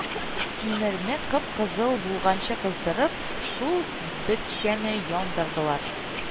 Тимерне кып-кызыл булганчы кыздырып, шул бетчәне яндырдылар